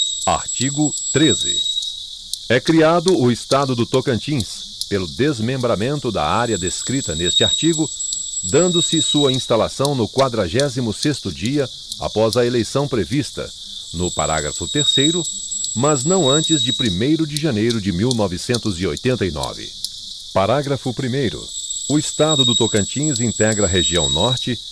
artigo treze é criado o estado do tocantins pelo desmembramento da área descrita neste artigo dando se sua instalação no quadragésimo sexto dia após a eleição prevista no parágrafo terceiro mas não antes de primeiro de janeiro de mil e novecentos e oitenta e nove parágrafo primeiro o estado do tocantins integra a região norte